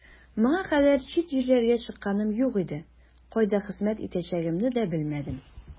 Моңа кадәр чит җирләргә чыкканым юк иде, кайда хезмәт итәчәгемне дә белмәдем.